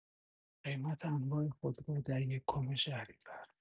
قیمت انواع خودرو در یکم شهریور